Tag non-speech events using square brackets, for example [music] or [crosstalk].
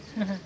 [hesitation] [hesitation]